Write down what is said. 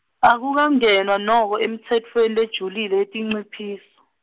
Akukangenwa noko emitsetfweni lejulile yetinciphiso.